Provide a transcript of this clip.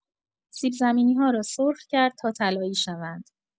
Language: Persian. سیب‌زمینی‌ها را سرخ کرد تا طلایی شوند.